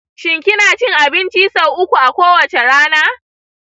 shin kina cin abinci sau uku a kowace rana?